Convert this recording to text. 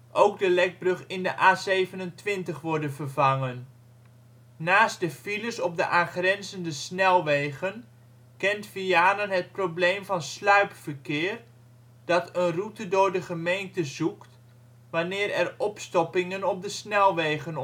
ook de Lekbrug in de A27 worden vervangen. Naast de files op de aangrenzende snelwegen kent Vianen het probleem van sluipverkeer dat een route door de gemeente zoekt wanneer er opstoppingen op de snelwegen